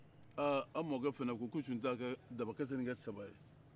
ha an mɔkɛ fana ko ko sunjata ka dabakisɛ in kɛ saba